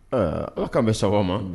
Ala k'an bɛ sababu ma